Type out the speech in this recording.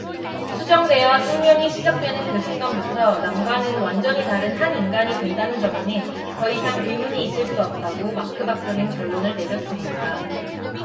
수정되어 생명이 시작되는 그 순간부터 남과는 완전히 다른 한 인간이 된다는 점에는 더 이상 의문이 있을 수 없다고 마크 박사는 결론을 내렸습니다